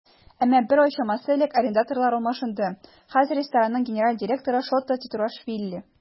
Әмма бер ай чамасы элек арендаторлар алмашынды, хәзер ресторанның генераль директоры Шота Тетруашвили.